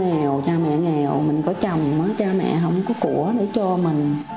nghèo cha mẹ nghèo mình có chồng á cha mẹ hông có của để cho mình